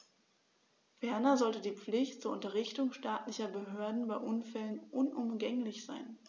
Ferner sollte die Pflicht zur Unterrichtung staatlicher Behörden bei Unfällen unumgänglich sein.